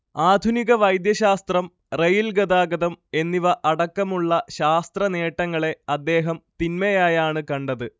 ആധുനിക വൈദ്യശാസ്ത്രം റെയിൽ ഗതാഗതം എന്നിവ അടക്കമുള്ള ശാസ്ത്രനേട്ടങ്ങളെ അദ്ദേഹം തിന്മയായാണ് കണ്ടത്